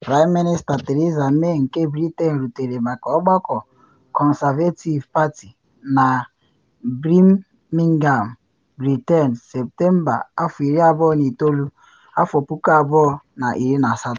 Praịm Minista Theresa May nke Britain rutere maka Ọgbakọ Conservative Party na Birmingham, Britain, Septemba 29, 2018.